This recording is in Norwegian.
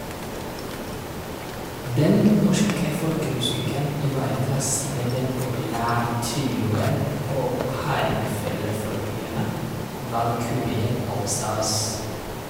Den norske folkemusikken ivaretas med den populære trioen og hardingfelefornyerne Valkyrien Allstars.